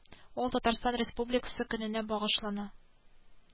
Аның зырылдап башы әйләнә иде.